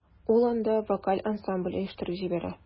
Ул анда вокаль ансамбль оештырып җибәрә.